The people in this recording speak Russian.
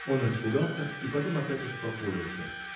Он испугался и потом опять успокоился.